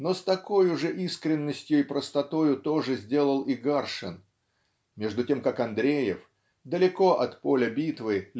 но с такою же искренностью и простотою то же сделал и Гаршин между тем как Андреев далеко от поля битвы